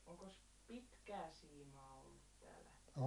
onkos pitkääsiimaa ollut täälläpäin